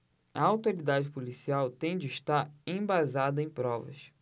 a autoridade policial tem de estar embasada em provas